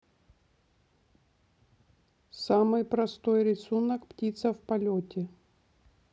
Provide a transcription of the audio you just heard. самый простой рисунок птица в полете